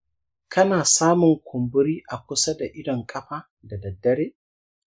kana samun kumburi a kusa da idon ƙafa da daddare?